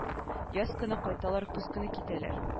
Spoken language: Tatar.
Яз көне кайталар көз көне китәләр